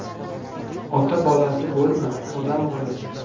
ota bolasi bo'lma odam bolasi bo'l